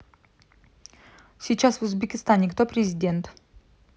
сейчас в узбекистане кто президент